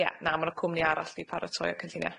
Ia. Na, ma' 'na cwmni arall wedi paratoi y cynllunia'.